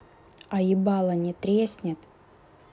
а ебало не треснет